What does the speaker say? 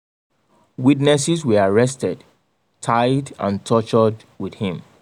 Witnesses were arrested, tied and tortured with him.